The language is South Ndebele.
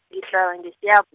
ngihlala ngeSiyabu-.